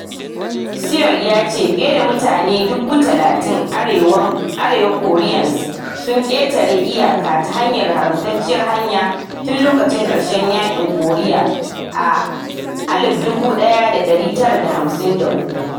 Seoul ya ce fiye da mutane 30,000 Arewa Koreans sun ketare iyaka ta hanyar haramtacciyar hanya tun lokacin karshen yakin Koriya a 1953.